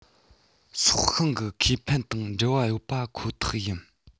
སྲོག ཤིང གི ཁེ ཕན དང འབྲེལ བ ཡོད པ ཁོ ཐག ཡིན